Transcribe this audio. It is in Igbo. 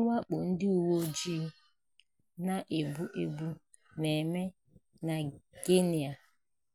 Mwakpo ndị uwe ojii na-egbu egbu na-eme na Guinea